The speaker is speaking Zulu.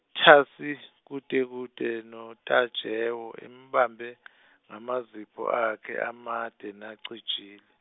thasi, kudekude noTajewo embambe, ngamazipho akhe amade nacijile.